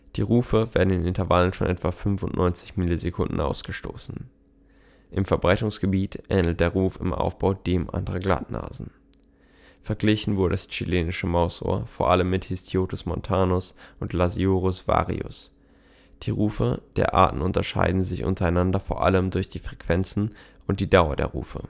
Die Rufe werden in Intervallen von etwa 95 Millisekunden ausgestossen. Im Verbreitungsgebiet ähnelt der Ruf im Aufbau dem anderer Glattnasen. Verglichen wurde das Chilenische Mausohr vor allem mit Histiotus montanus und Lasiurus varius; die Rufe der Arten unterscheiden sich untereinander vor allem durch die Frequenzen und die Dauer der Rufe